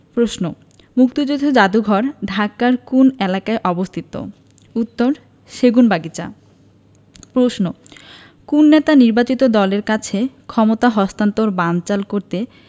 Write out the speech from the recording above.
প্রশ্ন মুক্তিযুদ্ধ যাদুঘর ঢাকার কোন এলাকায় অবস্থিত উত্তরঃ সেগুনবাগিচা প্রশ্ন কোন নেতা নির্বাচিত দলের কাছে ক্ষমতা হস্তান্তর বানচাল করতে